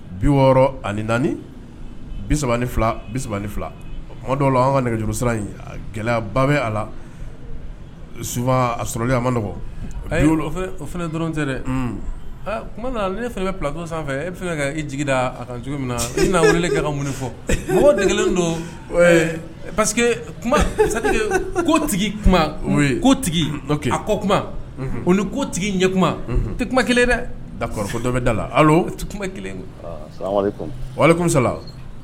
Bi wɔɔrɔ ani naani bi bi ni fila o dɔw an ka nɛgɛ gɛlɛyaba bɛ a la su a man dɔgɔ o dɔrɔn tɛ nana fɛn bɛ filatɔ sanfɛ e fɛn ka i jigi da a kan cogo min na e wele ka ka mun fɔ de kelen don parce ko ko kuma ko ni kotigi ɲɛ kuma tɛ kuma kelen dɛ kɔrɔfɔ dɔ bɛ da la kelensa